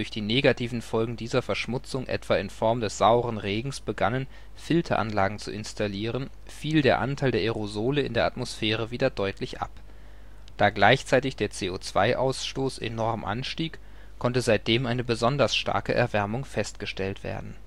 die negativen Folgen dieser Verschmutzung etwa in Form des sauren Regens begannen, Filteranlagen zu installieren, fiel der Anteil der Aerosole in der Atmosphäre wieder deutlich ab. Da gleichzeitig der CO2-Ausstoß enorm anstieg, konnte seitdem eine besonders starke Erwärmung festgestellt werden